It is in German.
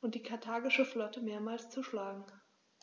und die karthagische Flotte mehrmals zu schlagen.